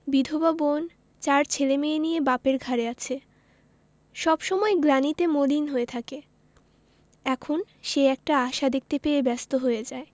বিধবা বোন চার ছেলেমেয়ে নিয়ে বাপের ঘাড়ে আছে সব সময় গ্লানিতে মলিন হয়ে থাকে এখন সে একটা আশা দেখতে পেয়ে ব্যস্ত হয়ে যায়